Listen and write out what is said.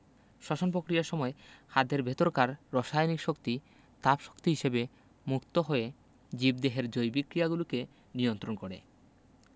শ্বসন ক্রিয়ার সময় খাদ্যের ভেতরকার রসায়নিক শক্তি তাপ শক্তি হিসেবে মুক্ত হয়ে জীবদেহের জৈবিক ক্রিয়াগুলোকে নিয়ন্ত্রন করে